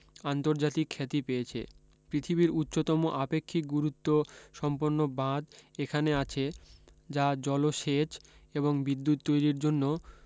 আন্তর্জাতিক খ্যাতি পেয়েছে পৃথিবীর উচ্চতম আপেক্ষিক গুরুত্ব সম্পন্ন বাঁধ এখানে আছে যা জলসেচ এবং বিদ্যুত তৈরীর জন্য